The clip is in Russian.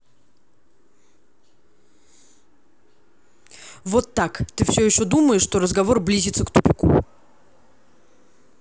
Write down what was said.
вот так ты все еще думаешь что разговор близится к тупику